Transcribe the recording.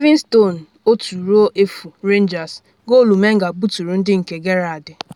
Livingston 1-0 Rangers: Goolu Menga buturu ndị nke Gerrard